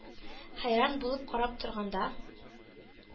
Хәйран булып карап торганда,